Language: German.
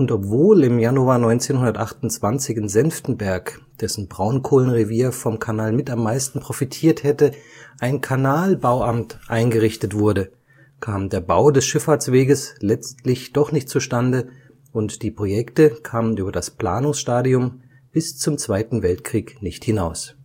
obwohl im Januar 1928 in Senftenberg, dessen Braunkohlenrevier vom Kanal mit am meisten profitiert hätte, ein Kanalbauamt eingerichtet wurde, kam der Bau des Schifffahrtsweges letztlich doch nicht zustande und die Projekte kamen über das Planungsstadium bis zum Zweiten Weltkrieg nicht hinaus